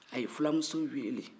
a ye filamuso weele